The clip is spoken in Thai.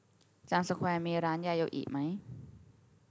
จามสแควร์มีร้านยาโยอิไหม